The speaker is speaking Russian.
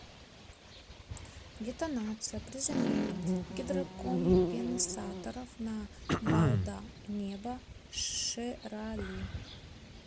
детонация при замене гидрокомпенсаторов на балда небо шерали